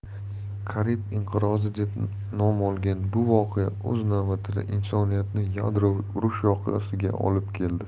karib inqirozi deb nom olgan bu voqea o'z navbatida insoniyatni yadroviy urush yoqasiga olib keldi